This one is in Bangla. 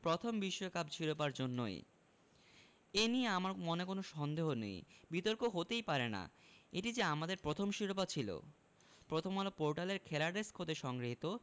প্রথম বিশ্বকাপ শিরোপার জন্যই এ নিয়ে আমার মনে কোনো সন্দেহ নেই বিতর্ক হতেই পারে না এটা যে আমাদের প্রথম শিরোপা ছিল প্রথমআলো পোর্টালের খেলা ডেস্ক হতে সংগৃহীত